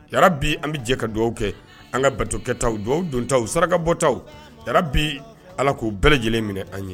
y aa rabbi an bɛ jɛ ka dugawu kɛ an ka batokɛtaaw, dugawu don taw, saraka bɔtaw yaa rabbi, allah k'u bɛɛ lajɛlen minɛ an ye.